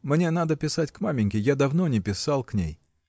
– Мне надо писать к маменьке: я давно не писал к ней.